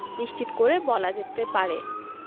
নিশ্চিত করে বলা যেতে পারে